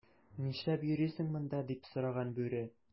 "нишләп йөрисең монда,” - дип сораган бүре.